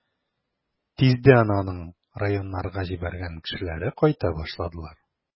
Тиздән аның районнарга җибәргән кешеләре кайта башладылар.